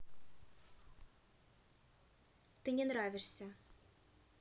ты не нравишься